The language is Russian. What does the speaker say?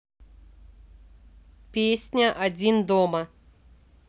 песня один дома